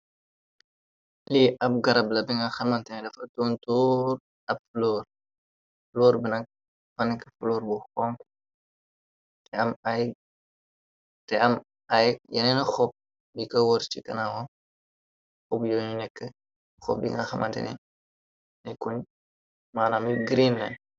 Lii ab garabla bi nga xamanteni dafa toontoor ab floor loor binak panek floor bu hong te am ayk yeneen xop bi ka wër ci kanawa og yooñu nekk xop di nga xamantene nekkuñ maanami greenland.